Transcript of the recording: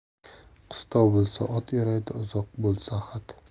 qistov bo'lsa ot yaraydi uzoq bo'lsa xat